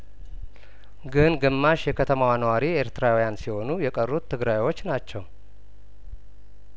ግን ግማሽ የከተማዋ ነዋሪ ኤርትራዊያን ሲሆኑ የቀሩት ትግራዮች ናቸው